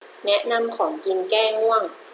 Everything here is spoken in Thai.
แนะนำของกินแก้ง่วง